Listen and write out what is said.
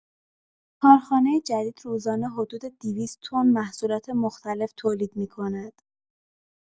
کارخانه جدید روزانه حدود ۲۰۰ تن محصولات مختلف تولید می‌کند.